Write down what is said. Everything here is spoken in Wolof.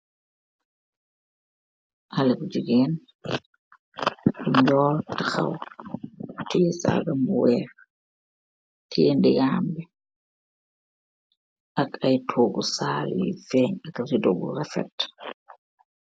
Haleex bu jegeen bu jull tahaw , teex sakam bu weex teh dikaam ak ayy togux saal yu feeg yu refet ak ridux bu refet